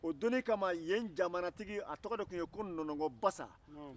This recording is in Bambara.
o donnin kama yen jamanatigi a tɔgɔ de tun ye ko nɔnɔnkɔ basa